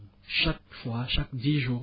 chaque fois chaque dix jours